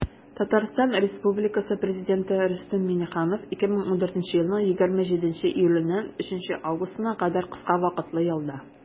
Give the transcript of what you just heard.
Татарстан Республикасы Президенты Рөстәм Миңнеханов 2014 елның 27 июленнән 3 августына кадәр кыска вакытлы ялда.